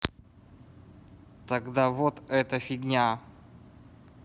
тогда вот эта фигня